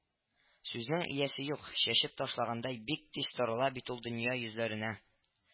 Сүзнең иясе юк, чәчеп ташлагандай, бик тиз тарала бит ул дөнья йөзләренә